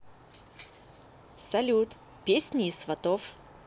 салют песни из сватов